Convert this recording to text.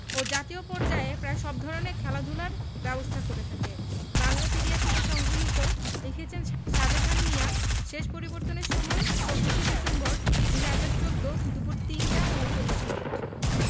ও জাতীয় পর্যায়ে প্রায় সব ধরনের খেলাধুলার ব্যবস্থা করে থাকে বাংলাপিডিয়া থেকে সংগৃহীত লিখেছেনঃ সাজাহান মিয়া শেষ পরিবর্তনের সময় ২৪ ডিসেম্বর ২০১৪ দুপুর ৩টা ৩৯মিনিট